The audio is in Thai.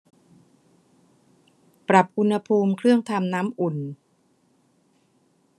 ปรับอุณหภูมิเครื่องทำน้ำอุ่น